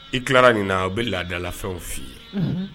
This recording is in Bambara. I tilala nin na u bɛ laadalafɛnw f'i ye, unhun